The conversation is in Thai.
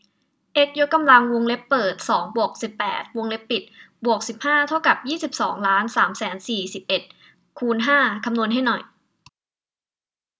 เอ็กซ์ยกกำลังวงเล็บเปิดสองบวกสิบแปดวงเล็บปิดบวกสิบห้าเท่ากับยี่สิบสองล้านสามแสนสี่สิบเอ็ดคูณห้าคำนวณให้หน่อย